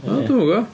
O, dwi'm yn gwbod.